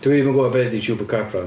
Dwi'm yn gwbod be 'di Chupacabra.